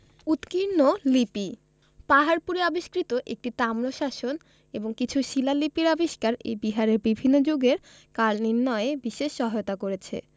উৎকীর্ণ লিপি পাহাড়পুরে আবিষ্কৃত একটি তাম্রশাসন এবং কিছু শিলালিপির আবিষ্কার এই বিহারের বিভিন্ন যুগের কাল নির্ণয়ে বিশেষ সহায়তা করেছে